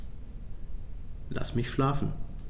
Lass mich schlafen